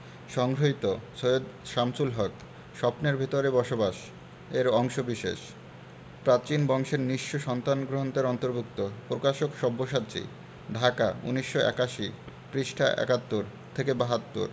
সংগৃহীত সৈয়দ শামসুল হক স্বপ্নের ভেতরে বসবাস এর অংশবিশেষ প্রাচীন বংশের নিঃস্ব সন্তান গ্রন্থের অন্তর্ভুক্ত প্রকাশকঃ সব্যসাচী ঢাকা ১৯৮১ পৃষ্ঠাঃ ৭১ থেকে ৭২